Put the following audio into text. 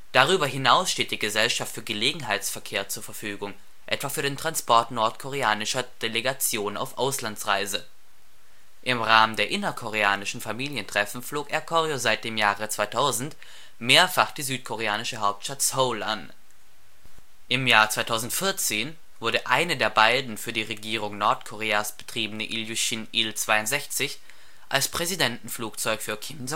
Darüber hinaus steht die Gesellschaft für Gelegenheitsverkehr zur Verfügung, etwa für den Transport nordkoreanischer Delegationen auf Auslandsreise. Im Rahmen der innerkoreanischen Familientreffen flog Air Koryo seit dem Jahre 2000 mehrfach die südkoreanische Hauptstadt Seoul an. Im Jahr 2014 wurde eine der beiden für die Regierung Nordkoreas betriebene Iljuschin Il-62 als Präsidentenflugzeug für Kim